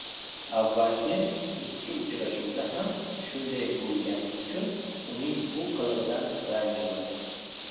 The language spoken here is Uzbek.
avvalgi ikki uchrashuvda ham shunday bo'lgani uchun uning bu qilig'idan ranjimadi